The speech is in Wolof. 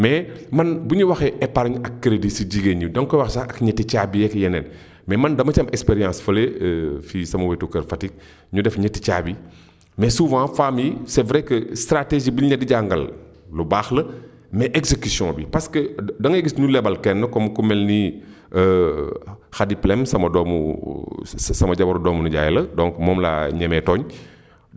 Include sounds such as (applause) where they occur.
mais man bu ñuy waxee éparge ak crédit si jigéen ñi da nga ko wax sax ak ñetti caabi yeeg yeneen (breath) mais man dama ci am expérience fële (hesitation) fii sama wetu kër Fatick ñu def ñetti caabi (inhales) mais souvent femmes yi c' est vrai que stratégie bi ñu la di jàngal lu baax la mais exécution bi parce que da da ngay gis ñu lebal kenn ku mel ni (hesitation) Khady Pène sama doomu (hesitation) sa sama jabaru doomu nijaay la donc moom laa ñemee tooñ (breath)